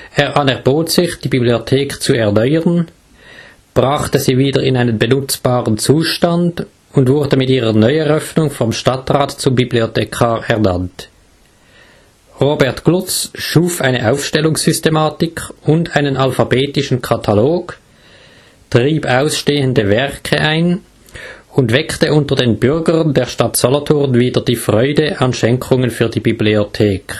anerbot sich, die Bibliothek zu erneuern, brachte sie wieder in einen benutzbaren Zustand und wurde mit ihrer Neueröffnung vom Stadtrat zum Bibliothekar ernannt. Robert Glutz schuf eine Aufstellungssystematik und einen alphabetischen Katalog, trieb ausstehende Werke ein und weckte unter den Bürgern der Stadt Solothurn wieder die Freude an Schenkungen für die Bibliothek